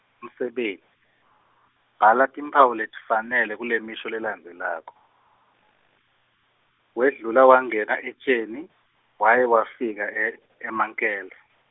umsebenti, bhala timphawu letifanele kulemisho lelandzelako, wendlula, wangena etjeni waye wefika e- eMankele.